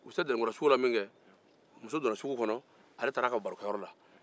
u selen dɛnɛnkura suru la muso donna sugu kɔnɔ ale taara a ka barokɛyɔrɔ la